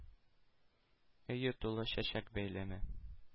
Өе тулы чәчәк бәйләме.